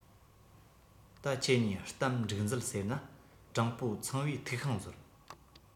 ད ཁྱེད གཉིས གཏམ འགྲིག མཛད ཟེར ན དྲང པོ ཚངས པའི ཐིག ཤིང མཛོད